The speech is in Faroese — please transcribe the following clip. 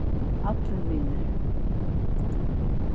allir vinir